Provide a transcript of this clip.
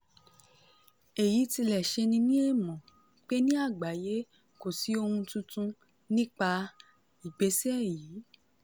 Èyí tilẹ̀ ṣeni ní èèmọ̀, pé ní àgbáyé, kò sí ohun tuntun nípa ìgbésẹ̀ yìí.